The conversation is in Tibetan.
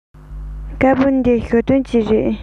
དཀར པོ འདི ཞའོ ཏོན གྱི རེད